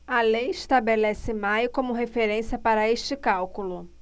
a lei estabelece maio como referência para este cálculo